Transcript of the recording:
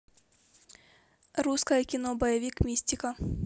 русское кино боевик мистика